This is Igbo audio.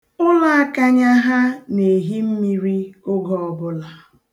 Ụlọ akanya ha na-ehi mmiri oge ọbụla.